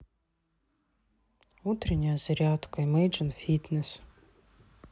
утренняя зарядка имейджен фитнес